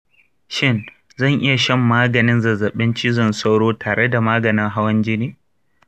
shin zan iya shan maganin zazzabin cizon sauro tare da maganin hawan jini?